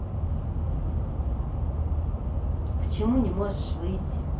почему не можешь выйти